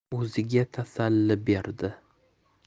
o'ziga tasalli berdi